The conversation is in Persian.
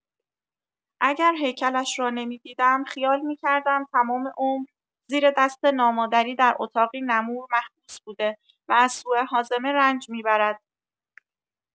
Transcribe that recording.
اگر هیکلش را نمی‌دیدم خیال می‌کردم تمام عمر زیر دست نامادری در اتاقی نمور محبوس بوده و از سوءهاضمه رنج می‌برد.